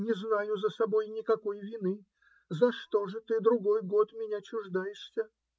Не знаю за собой никакой вины; за что же ты другой год меня чуждаешься?